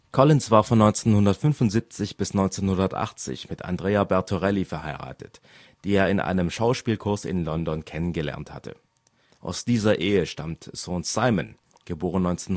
Collins war von 1975 bis 1980 mit Andrea Bertorelli verheiratet, die er in einem Schauspielkurs in London kennengelernt hatte. Aus dieser Ehe stammt Sohn Simon (* 1976